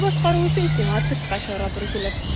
Моны башкару өчен сиңа тышка чыгарга туры килер.